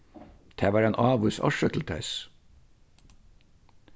tað var ein ávís orsøk til tess